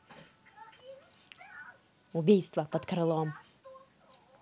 убийство под крылом